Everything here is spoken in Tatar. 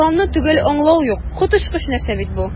"планны төгәл аңлау юк, коточкыч нәрсә бит бу!"